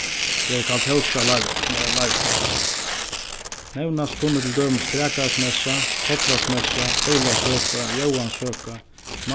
er leivdir nevnast kunnu til dømis grækarismessa tollaksmessa ólavsøka jóansøka